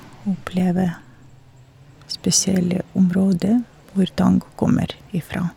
Oppleve spesielle område hvor tango kommer ifra.